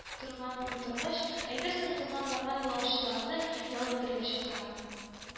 Торган бу утыргыч, әйтерсең, узган-барган юлаучыларны ял итәрә чакыра